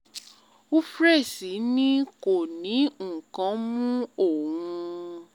Humphreys ní ”Kò ní nǹkan mú òun,”